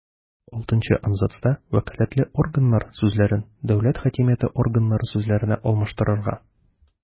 Алтынчы абзацта «вәкаләтле органнар» сүзләрен «дәүләт хакимияте органнары» сүзләренә алмаштырырга;